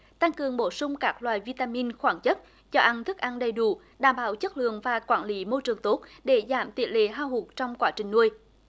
tăng cường bổ sung các loại vi ta min khoáng chất cho ăn thức ăn đầy đủ đảm bảo chất lượng và quản lý môi trường tốt để giảm tỷ lệ hao hụt trong quá trình nuôi